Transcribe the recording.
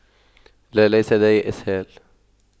لا ليس لدي اسهال